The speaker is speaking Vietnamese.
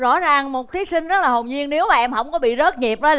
rõ ràng một thí sinh rất là hồn nhiên nếu em hổng có bị rớt nhịp đó